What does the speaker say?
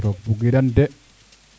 roog bugiran de